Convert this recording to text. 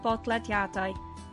botlediadau